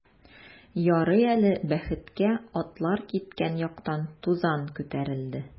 Ярый әле, бәхеткә, атлар киткән яктан тузан күтәрелде.